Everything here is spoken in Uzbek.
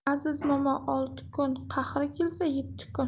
aziz momo olti kun qahri kelsa yetti kun